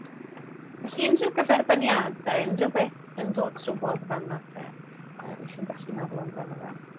Felly unryw gyferbyniadau, unryw beth yn dod trwodd fana 'te yy 'ych chi'n gallu meddwl amdano fe?